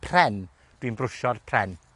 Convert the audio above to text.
pren. Dwi'n brwsio'r pren.